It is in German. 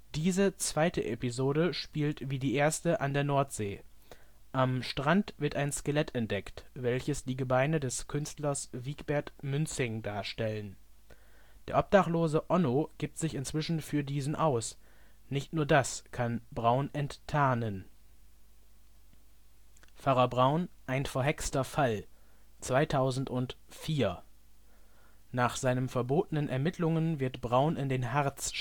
Diese zweite Episode spielt wie die erste an der Nordsee. Am Strand wird ein Skelett entdeckt, welches die Gebeine des Künstlers Wigbert Münzing darstellen. Der Odachlose Onno gibt sich inzwischen für diesen aus, nicht nur das kann Braun enttarnen. Pfarrer Braun - Ein verhexter Fall (2004) Nach seinen verbotenen Ermittlungen wird Braun in den Harz strafversetzt